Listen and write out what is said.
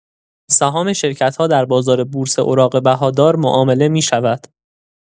سهام شرکت‌ها در بازار بورس اوراق بهادار معامله می‌شود.